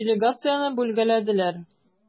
Делегацияне бүлгәләделәр.